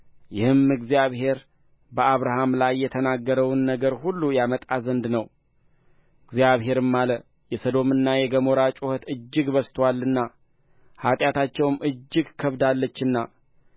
ይህም እግዚአብሔር በአብርሃም ላይ የተናገረውን ነገር ሁሉ ያመጣ ዘንድ ነው እግዚአብሔርም አለ የሰዶምና የገሞራ ጩኸት እጅግ በዝቶአልና ኃጢአታቸውም እጅግ ከብዳለችና